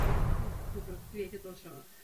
wi yy hoff hoff o'r dwi weud o bob tro